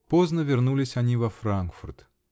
Поздно вернулись они во Франкфурт.